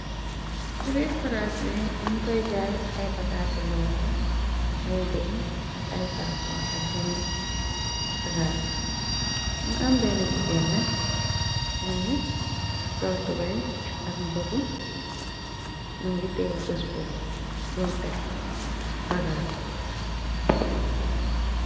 Ci biir paraas wi yin fay jaay ay bagaas lekk ay diiw ak ay parfon ak yeneen bagaas mu am benn jigée nak më ngi solturay ak mbob më ngi téy pss bu tekk bagaas.